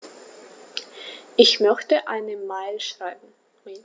Ich möchte eine Mail schreiben.